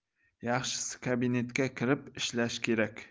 yaxshisi kabinetga kirib ishlash kerak